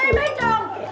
bi bi trần